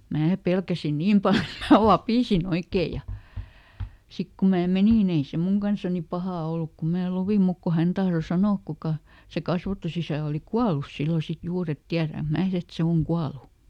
minä pelkäsin niin paljon että minä vapisin oikein ja sitten kun minä menin niin ei se minun kanssani paha ollut kun minä luin mutta kun hän tahtoi sanoa kuka se kasvatusisä oli kuollut silloin sitten juuri että tiedänkö minä että se on kuollut